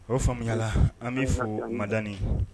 O faamuyala an b'i fo Madani